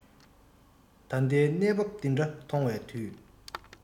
ད ལྟའི གནས བབས འདི འདྲ མཐོང བའི དུས